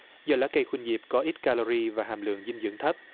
do lá cây khuynh diệp có ít ca lo ri và hàm lượng dinh dưỡng thấp